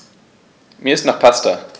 Mir ist nach Pasta.